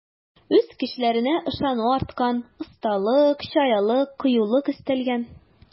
Үз көчләренә ышану арткан, осталык, чаялык, кыюлык өстәлгән.